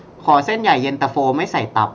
ขอเส้นใหญ่เย็นตาโฟไม่ใส่ตับ